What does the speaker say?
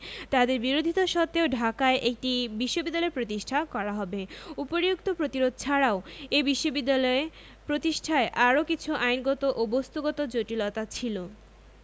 তাঁদের বিরোধিতা সত্ত্বেও ঢাকায় একটি বিশ্ববিদ্যালয় প্রতিষ্ঠা করা হবে উপরিউক্ত প্রতিরোধ ছাড়াও এ বিশ্ববিদ্যালয় প্রতিষ্ঠায় আরও কিছু আইনগত ও বস্ত্তগত জটিলতা ছিল